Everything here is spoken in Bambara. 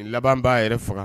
Nin laban b'a yɛrɛ faga